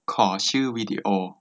ขอชื่อวิดีโอ